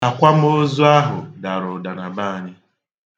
Akwamozu ahụ dara ụda na be anyị.